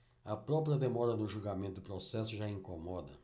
a própria demora no julgamento do processo já incomoda